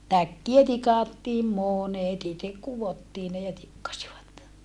täkkejä tikattiin monet itse kudottiin ne ja tikkasivat